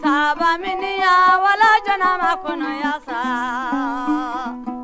sabaminyan wolo joona ma konaya sa